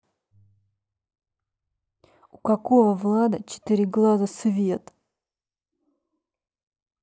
у какого влада четыре глаза свет